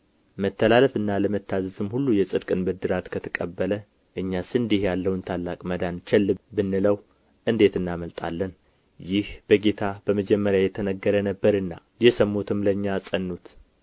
መተላለፍና አለመታዘዝም ሁሉ የጽድቅን ብድራት ከተቀበለ እኛስ እንዲህ ያለውን ታላቅ መዳን ቸል ብንለው እንዴት እናመልጣለን ይህ በጌታ በመጀመሪያ የተነገረ ነበርና የሰሙትም ለእኛ አጸኑት